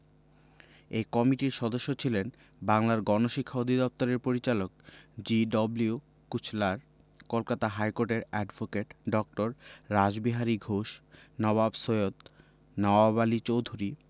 এ কমিটির সদস্য ছিলেন বাংলার গণশিক্ষা অধিদপ্তরের পরিচালক জি.ডব্লিউ কুচলার কলকাতা হাইকোর্টের অ্যাডভোকেট ড. রাসবিহারী ঘোষ নবাব সৈয়দ নওয়াব আলী চৌধুরী